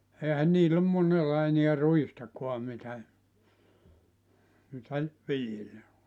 eihän niillä ole monella enää ruistakaan mitä mitä viljellä